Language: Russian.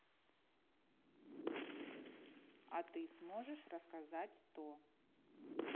а ты сможешь рассказать то